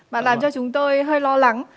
bạn làm cho chúng tôi hơi lo lắng